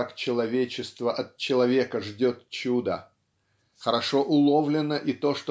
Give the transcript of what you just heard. как человечество от человека ждет чуда хорошо уловлено и то